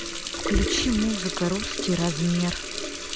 включи музыка русский размер